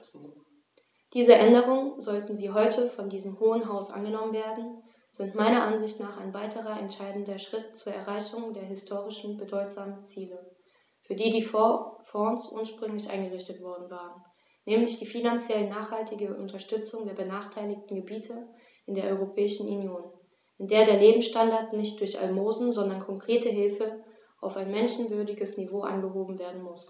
Diese Änderungen, sollten sie heute von diesem Hohen Haus angenommen werden, sind meiner Ansicht nach ein weiterer entscheidender Schritt zur Erreichung der historisch bedeutsamen Ziele, für die die Fonds ursprünglich eingerichtet worden waren, nämlich die finanziell nachhaltige Unterstützung der benachteiligten Gebiete in der Europäischen Union, in der der Lebensstandard nicht durch Almosen, sondern konkrete Hilfe auf ein menschenwürdiges Niveau angehoben werden muss.